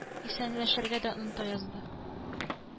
Исәнләшергә дә оныта язды